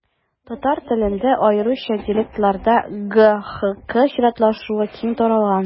Татар телендә, аеруча диалектларда, г-х-к чиратлашуы киң таралган.